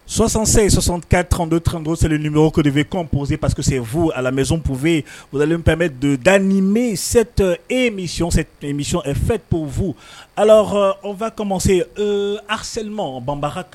Sɔsansɛ sɔsan kado 1tɔn seli ni co de2 kɔnpse pas que sen fu alamizpupe wulalenpme donda ni m se tɔ e fɛn to fu alahɔfa kama se eee asma ban ha kan